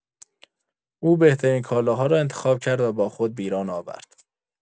او بهترین کالاها را انتخاب کرد و با خود به ایران آورد.